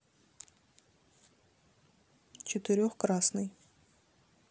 четырех красный